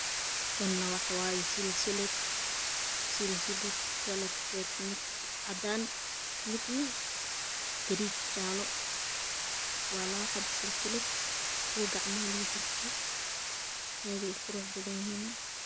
Kane wax waye silsilad silsilad kalarked ne cadaan midne gariij jaalo waa labo xabo silsilad kuwa gacmaha lagu xirto adee u qurux badan yihiin